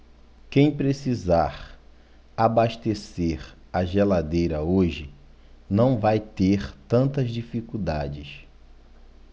quem precisar abastecer a geladeira hoje não vai ter tantas dificuldades